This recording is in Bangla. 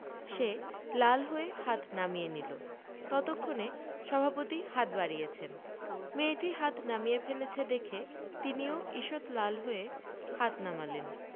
সে লাল হয়ে হাত নামিয়ে নিল ততক্ষনে সভাপতি হাত বাড়িয়েছেন মেয়েটি হাত নামিয়ে ফেলেছে দেখে তিনিও ঈষৎ লাল হয়ে হাত নামালেন